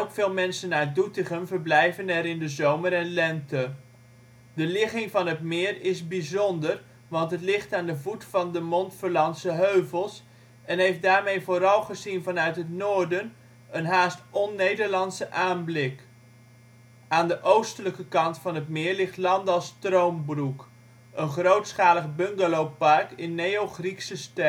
veel mensen uit Doetinchem verblijven er in de zomer en lente. De ligging van het meer is bijzonder want het ligt aan de voet van de Montferlandse heuvels en heeft daarmee vooral gezien vanuit het noorden een haast on-Nederlandse aanblik. Aan de oostelijke kant van het meer ligt Landal Stroombroek, een grootschalig bungalowpark in neogriekse stijl